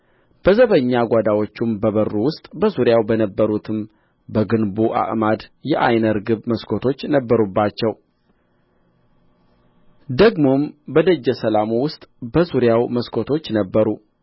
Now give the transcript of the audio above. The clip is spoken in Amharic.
በዘበኛ ጓዳዎቹም በበሩ ውስጥ በዙሪያው በነበሩትም በግንቡ አዕማድ የዓይነ ርግብ መስኮቶች ነበሩባቸው ደግሞም በደጀ ሰላሙ ውስጥ በዙሪያው መስኮቶች ነበሩ